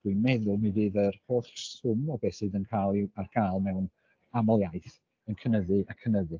Dwi'n meddwl mi fydd yr holl swm o beth sydd yn cael i'w... ar gael mewn amliaith yn cynyddu a cynyddu.